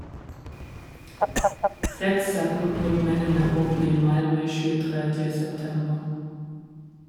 Rettssaken mot mennene åpner i Malmö 23. september.